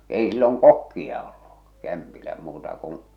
ei silloin kokkia ollut kämpillä muuta kuin